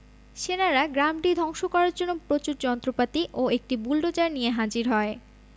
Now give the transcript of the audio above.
সেনারা গ্রামটি ধ্বংস করার জন্য প্রচুর যন্ত্রপাতি ও একটি বুলোডোজার নিয়ে হাজির হয়